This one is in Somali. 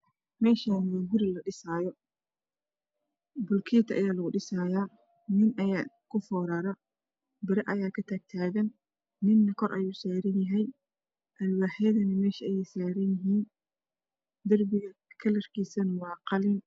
Meshani waa guri la dhisaayo bula keeti ayaa lagu dhisayaa nin ayaa ku dorara biro ayaa ka tag tagan nin kor ayuu saranyahay alwaxyada meesha ayeey saran yihiin derbiga kalrkisana waa qalin